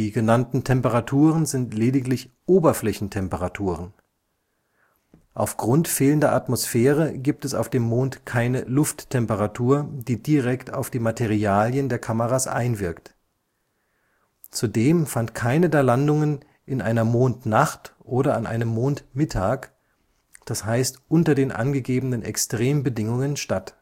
genannten Temperaturen sind lediglich Oberflächentemperaturen. Auf Grund fehlender Atmosphäre gibt es auf dem Mond keine Lufttemperatur, die direkt auf die Materialien der Kameras einwirkt. Zudem fand keine der Landungen in einer Mondnacht oder an einem Mondmittag – das heißt unter den angegebenen Extrembedingungen – statt